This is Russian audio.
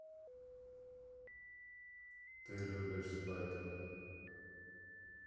ты любишь спать